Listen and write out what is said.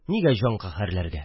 Нигә җан каһәрләргә